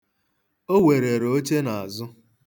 O werere oche n'azụ.